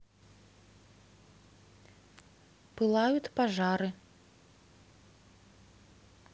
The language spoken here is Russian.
пылают пожары